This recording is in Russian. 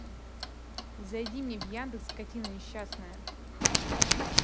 зайди мне в яндекс скотина несчастная